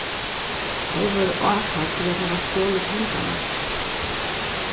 tey vóru ákærd fyri at hava stolið pengarnar